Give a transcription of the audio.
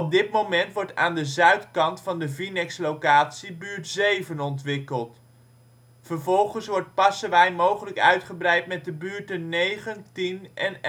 dit moment wordt aan de zuidkant van de Vinex-locatie buurt 7 ontwikkeld. Vervolgens wordt Passewaaij mogelijk uitgebreid met de buurten 9, 10 en 11.